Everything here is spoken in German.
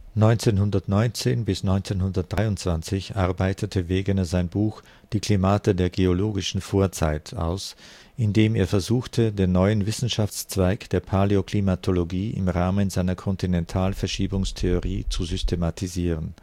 1919 bis 1923 arbeitete Wegener sein Buch Die Klimate der geologischen Vorzeit aus, in dem er versuchte, den neuen Wissenschaftszweig der Paläoklimatologie im Rahmen seiner Kontinentalverschiebungstheorie zu systematisieren